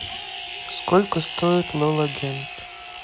сколько стоит лол агент